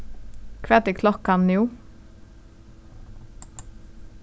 hvat er klokkan nú